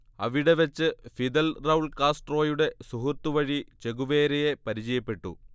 അവിടെ വെച്ച് Fidel Raul കാസ്ട്രോയുടെ സുഹൃത്തു വഴി ചെഗുവേരയെ പരിചയപ്പെട്ടു